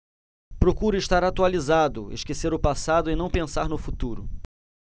procuro estar atualizado esquecer o passado e não pensar no futuro